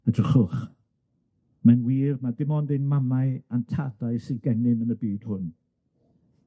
Edrychwch, mae'n wir ma' dim ond ein mamau a'n tadau sydd gennym yn y byd hwn.